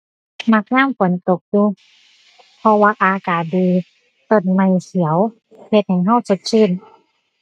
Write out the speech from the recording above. มักยามฝนตกอยู่ เพราะว่าอากาศดี ต้นไม้เขียว เฮ็ดให้เราสดชื่น